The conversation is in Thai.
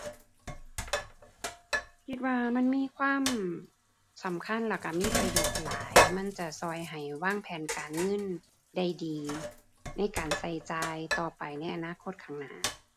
คิดว่ามันมีความสำคัญแล้วก็มีประโยชน์หลาย มันจะก็ให้วางแผนการเงินได้ดี ในการก็จ่ายต่อไป ในอนาคตข้างหน้า